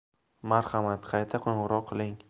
marhamat qayta qo'ng'iroq qiling